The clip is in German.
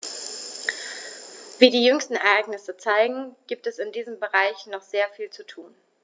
Wie die jüngsten Ereignisse zeigen, gibt es in diesem Bereich noch sehr viel zu tun.